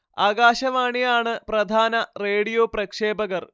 ആകാശവാണി ആണ് പ്രധാന റേഡിയോ പ്രക്ഷേപകർ